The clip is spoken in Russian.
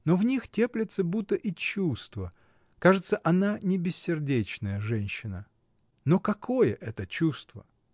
Но в них теплится будто и чувство; кажется, она не бессердечная женщина. Но какое это чувство?